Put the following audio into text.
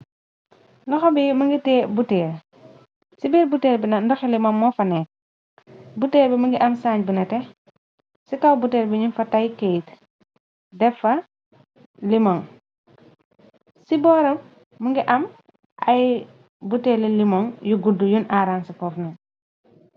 loxo bi mëngite buteer ci biir buteer b ndoxe limon mo fanee buteer bi më ngi am saañ bu na tex ci kaw buter bi ñu fa tay keyt defa limoŋ ci boora më ngi am ay butel limoŋ yu gudd yun aranc kovnu